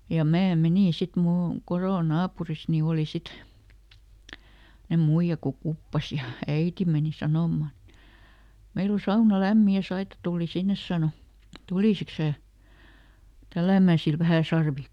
ja minä menin sitten minulla on kodon naapurissa niin oli sitten semmoinen muija kun kuppasi ja äiti meni sanomaan että meillä on sauna lämmin ja Saida tuli sinne sanoi tulisitko sinä tälläämään sille vähän sarvia